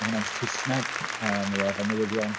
Ma' hwnna'n Saesneg yy mae o efo newyddion.